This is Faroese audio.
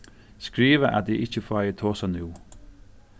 skriva at eg ikki fái tosað nú